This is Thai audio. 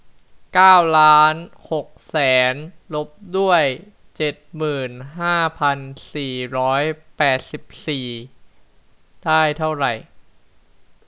เก้าล้านหกแสนลบด้วยเจ็ดหมื่นห้าพันสี่ร้อยแปดสิบสี่ได้เท่าไร